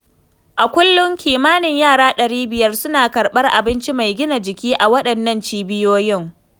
A kullum kimanin yara 500 suna karɓar abinci mai gina jiki a waɗannan cibiyoyin.